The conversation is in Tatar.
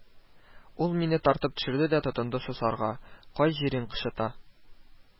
Ул мине тартып төшерде дә тотынды сосарга, кай җирең кычыта